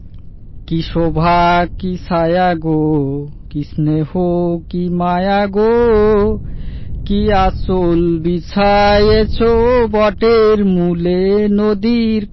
কী শোভা কী ছায়া গো কী স্নেহ কী মায়া গো কী আঁচল বিছায়েছ বটের মূলে নদীর